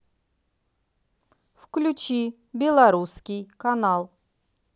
включи белорусский канал